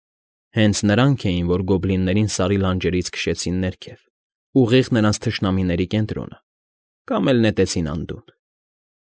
Հենց նրանք էին, որ գոբլիններին Սարի լանջերից քշեցին ներքև, ուղիղ նրանց թշնամիների կենտրոնը, կամ էլ նետեցին անդունդը։